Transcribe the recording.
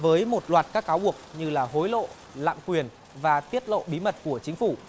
với một loạt các cáo buộc như là hối lộ lạm quyền và tiết lộ bí mật của chính phủ